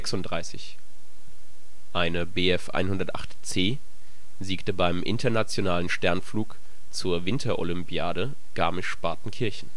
1936: Eine Bf 108 C siegte beim Internationalen Sternflug zur Winterolympiade Garmisch-Partenkirchen